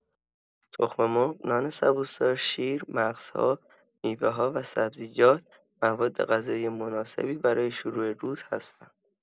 تخم‌مرغ، نان سبوس‌دار، شیر، مغزها، میوه‌ها و سبزیجات موادغذایی مناسبی برای شروع روز هستند.